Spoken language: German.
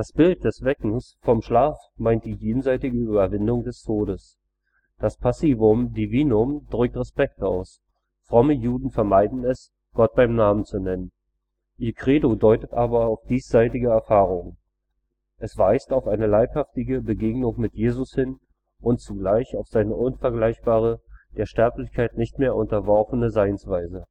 Bild des Weckens vom Schlaf meint die jenseitige Überwindung des Todes. Das Passivum Divinum drückt Respekt aus: Fromme Juden vermeiden es, Gott beim Namen zu nennen. Ihr Credo deutet aber diesseitige Erfahrungen: Es weist auf eine leibhafte Begegnung mit Jesus hin und zugleich auf seine unvergleichbare, der Sterblichkeit nicht mehr unterworfene Seinsweise